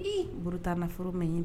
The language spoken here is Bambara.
Bta na mɛn ɲi dɛ